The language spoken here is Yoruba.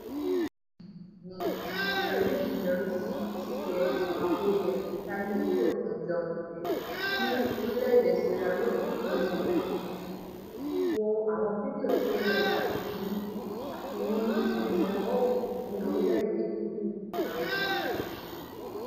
Láìpé yìí ni ìtàn àṣeyọrí yìí yọrí sí ṣíṣe àwọn abúlé àyíká ní Etí Òkun John Obey, ní orílẹ̀ èdè Sierra Leone ní ọdún 2010( wo àwọn fídíò tí ó rẹwà níbí) àti ní Monestevole, ní orílẹ̀ èdè Italy ní ọdún 2013.